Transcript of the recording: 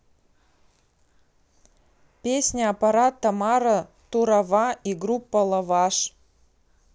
песня аппарат тамара турава и группа лаваш